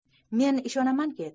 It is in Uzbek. men ishonamanki